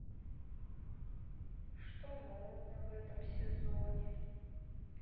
что модно в этом сезоне